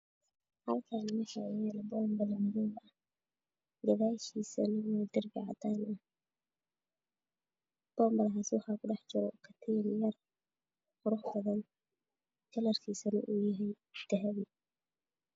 Halkan waxaa iga muuqato gabdho wata hijaabo qaxwi ah midna wata waxa kaloo ii muuqda dhar waxaa kaloo iimuuqda darbi kalarkiisu yahay madaw